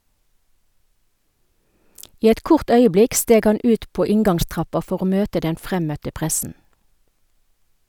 I et kort øyeblikk steg han ut på inngangstrappa for å møte den fremmøtte pressen.